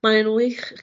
Mae e'n wych